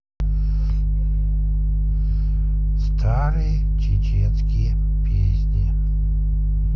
старые чеченские песни